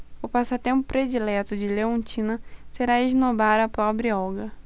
o passatempo predileto de leontina será esnobar a pobre olga